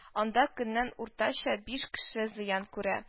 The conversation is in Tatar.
Сүз уңаеннан, анда көненә уртача биш кеше зыян күрә)